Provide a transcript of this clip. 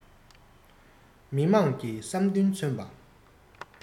མི དམངས ཀྱི བསམ འདུན མཚོན པ